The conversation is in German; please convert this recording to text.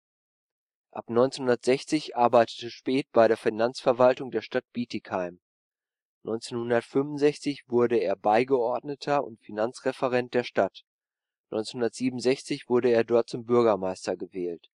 1960 arbeitete Späth bei der Finanzverwaltung der Stadt Bietigheim. 1965 wurde er Beigeordneter und Finanzreferent der Stadt, 1967 wurde er dort zum Bürgermeister gewählt